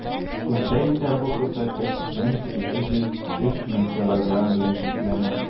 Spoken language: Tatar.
Бездә исә бу күрсәткеч 1800 - 3000 килограмм белән чикләнә.